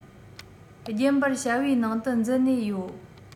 རྒྱུན པར བྱ བའི ནང དུ འཛུལ ནས ཡོད